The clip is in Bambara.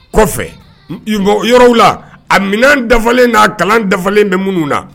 Kɔfɛ yɔrɔ la a minɛn dafalen'a kalan dafalen bɛ minnu na